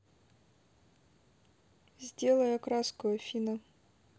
сделай окраску афина